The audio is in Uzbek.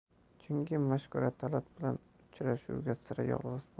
chunki mashkura talat bilan uchrashuvga sira yolg'iz